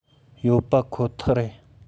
ཡོད པ ཁོ ཐག རེད